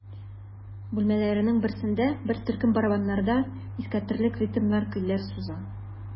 Бүлмәләрнең берсендә бер төркем барабаннарда искитәрлек ритмда көйләр суза.